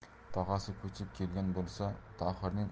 tog'asi ko'chib kelgan bo'lsa tohirning